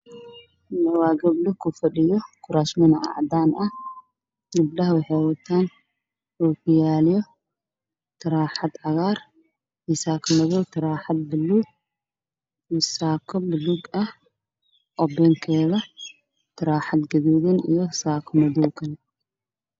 Waa gabdho ku fadhiyo kuraas cadcadaan ah